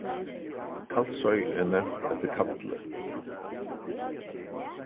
kalsoy er nevnt eftir kalli